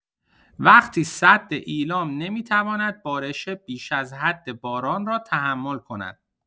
وقتی سد ایلام نمی‌تواند بارش بیش از حد باران را تحمل کند.